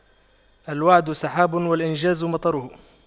الوعد سحاب والإنجاز مطره